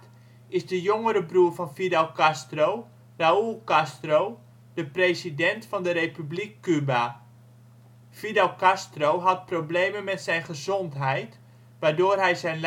de jongere broer van Fidel Castro, Raúl Castro de president van de republiek Cuba. Fidel Castro had problemen met zijn gezondheid waardoor hij zijn